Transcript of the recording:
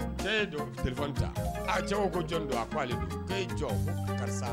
Den aa cɛw ko jɔn don a ale jɔ karisa